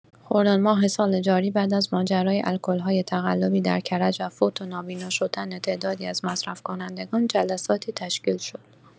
خرداد ماه سال جاری بعد از ماجرای الکل‌های تقلبی در کرج و فوت و نابینا شدن تعدادی از مصرف‌کنندگان، جلساتی تشکیل شد.